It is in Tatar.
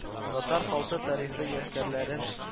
Татар халкы тарихы ядкәрләрен